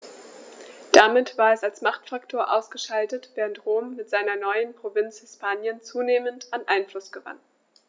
Damit war es als Machtfaktor ausgeschaltet, während Rom mit seiner neuen Provinz Hispanien zunehmend an Einfluss gewann.